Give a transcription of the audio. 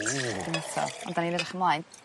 W. Dim eto. Ni'n dau yn edrych ymlaen.